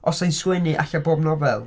Os 'sa hi'n sgwennu ella bob nofel.